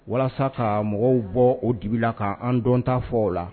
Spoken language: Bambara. Walasa ka mɔgɔw bɔ o dibi la ka an dɔn ta fɔ o la